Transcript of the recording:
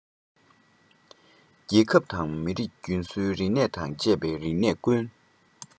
རྒྱལ ཁབ དང མི རིགས སྲོལ རྒྱུན རིག གནས དང བཅས པའི རིག གནས ཀུན